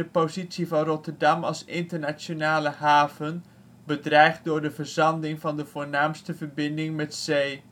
positie van Rotterdam als internationale haven bedreigd door de verzanding van de voornaamste verbinding met zee